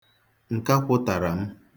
Nkakwụ tara m.